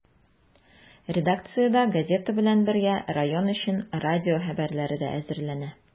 Редакциядә, газета белән бергә, район өчен радио хәбәрләре дә әзерләнә.